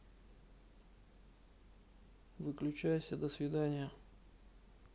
выключайся до свидания